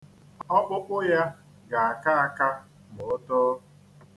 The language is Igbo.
Ọkpụkpụ ya ga-aka aka ma o too.